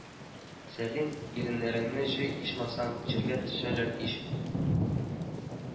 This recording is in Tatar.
Сәлим, иреннәреңне җый, ичмасам, җиргә төшәләр ич